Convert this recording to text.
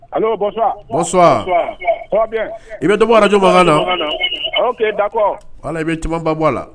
Allo, bonsoir, bonsoir, ça va bien? i bɛ dɔ bɔ radio mankan na , ok, d'accord , voila i bɛ caamanba bɔ a la.